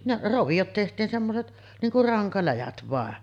ne roviot tehtiin semmoiset niin kuin rankaläjät vain